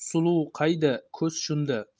suluv qayda ko'z shunda